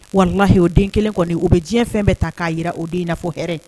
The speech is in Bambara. Walahi oo den kelen kɔni u bɛ diɲɛ fɛn bɛɛ ta k'a jirara o den in'a fɔ hɛrɛɛrɛ